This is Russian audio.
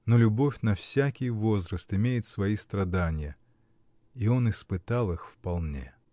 но любовь на всякий возраст имеет свои страданья, -- и он испытал их вполне.